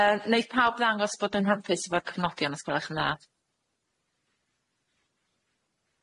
Yy neith pawb ddangos bod yn hapus efo'r cyfnodion os gwelwch yn dda?